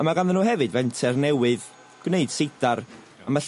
a ma' ganddyn n'w hefyd fenter newydd gwneud seidar. A ma'...